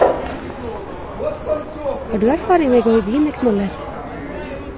Har du erfaring med georgineknoller?